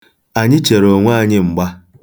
Anyị chere onwe anyị mgba